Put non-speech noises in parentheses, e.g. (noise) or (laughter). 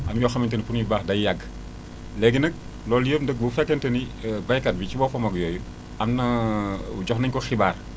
am na yoo xamante ni pour ñu baax day yàgg léegi nag loolu yëpp nag bu fekkente ni (hesitation) béykat bi si boppam ak yooyu am na (hesitation) jox nañu ko xibaar